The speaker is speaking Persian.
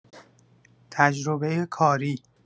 تجربه کاری